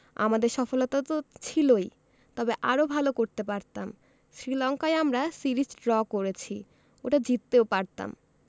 আমাদের সফলতা তো ছিলই তবে আরও ভালো করতে পারতাম শ্রীলঙ্কায় আমরা সিরিজ ড্র করেছি ওটা জিততেও পারতাম